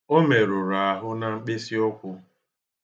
O merụrụ ahụ na mkpịsiụkwụ.